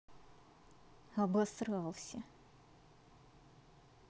обосрался